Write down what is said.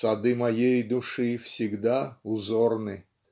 "сады моей души всегда узорны",